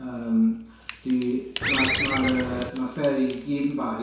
Yym 'di... Ma'r ma'r, yy, ma'r fairies i gyd yn bi.